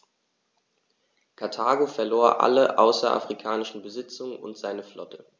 Karthago verlor alle außerafrikanischen Besitzungen und seine Flotte.